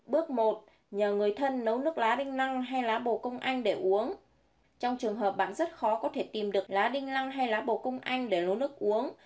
bước nhờ người thân nấu nước lá đinh lăng hoặc lá bồ công anh để uống trong trường hợp bạn rất khó có thể tìm được lá đinh lăng hay lá bồ công anh để nấu nước uống